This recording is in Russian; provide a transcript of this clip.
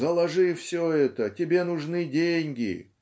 заложи все это, тебе нужны деньги.